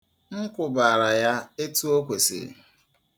M kwụbara ya etu o kwesịrị.